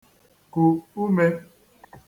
ku ume